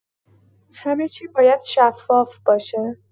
همه‌چی باید شفاف باشه؛